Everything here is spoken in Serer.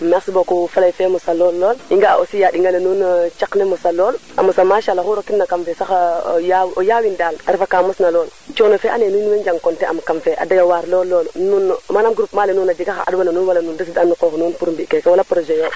merci beaucoup faley fe mosa lool lool i nga a aussi a ɗinga le nuun ceq ne mosa lool a mosa machaala oxu rokid na kam fe sax o yaaw o yaawin dal a refa ka mos na lool cono fe ando naye nuun way njankote an kam fe a doya waar lool lool nuun manam groupement le nuun a jega xa adwan na nuun wala nuun ndef mbiya nu qoox nuun wala projet yo